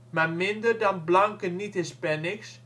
maar minder dan blanke niet-Hispanics